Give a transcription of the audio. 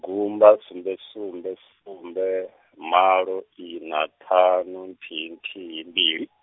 gumba sumbe sumbe sumbe, malo ina ṱhanu nthihi nthihi mbili .